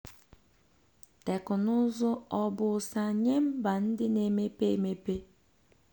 Tekụnụzụ ọ̀ bụ ụsa nye mba ndị na-emepe emepe?